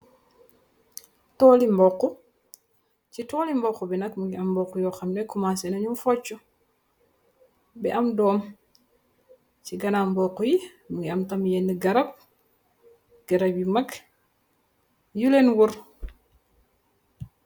ti mbo ci tooli mbokk bi nat mungi am mbokk yooxam nekkuman see nanu focc bi am doom ci ganam mbokku yi mungi am tam yeenk garab garab yi mag yuleen wur